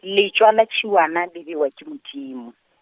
letšwa la tšhiwana le bewa ke Modimo.